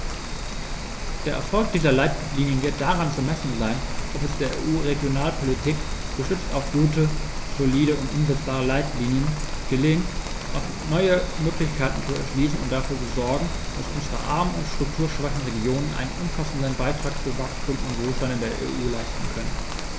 Der Erfolg dieser Leitlinien wird daran zu messen sein, ob es der EU-Regionalpolitik, gestützt auf gute, solide und umsetzbare Leitlinien, gelingt, neue Möglichkeiten zu erschließen und dafür zu sorgen, dass unsere armen und strukturschwachen Regionen einen umfassenden Beitrag zu Wachstum und Wohlstand in der EU leisten können.